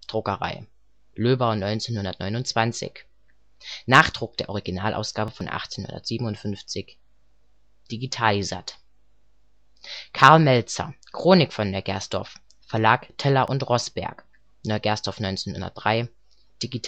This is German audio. OKG